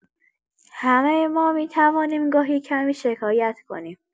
همه ما می‌توانیم گاهی کمی شکایت کنیم.